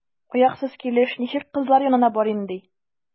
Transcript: Аяксыз килеш ничек кызлар янына барыйм, ди?